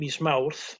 mis Mawrth